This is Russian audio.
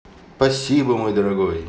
спасибо мой дорогой